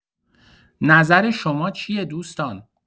نظر شما چیه دوستان؟